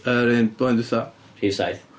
Yr un blwyddyn diwetha. Rhif saith.